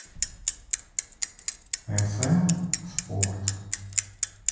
сн спорт